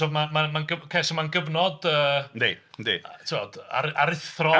Mae'n... mae'n... mae'n... ocê so mae'n gyfnod yy... Yndi yndi... Ti'mod aruthrol.